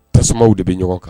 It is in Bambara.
Tasumaw de bɛ ɲɔgɔn kan.